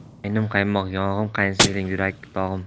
qaynim qaymoq yog'im qaynsinglim yurak dog'im